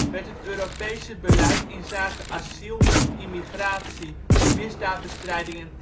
werd het Europese beleid inzake asiel, immigratie, misdaadbestrijding